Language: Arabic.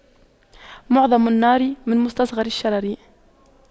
معظم النار من مستصغر الشرر